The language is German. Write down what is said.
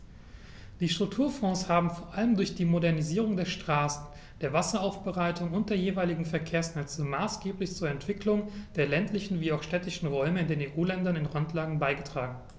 Die Strukturfonds haben vor allem durch die Modernisierung der Straßen, der Wasseraufbereitung und der jeweiligen Verkehrsnetze maßgeblich zur Entwicklung der ländlichen wie auch städtischen Räume in den EU-Ländern in Randlage beigetragen.